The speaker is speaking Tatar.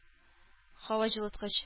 Һаваҗылыткыч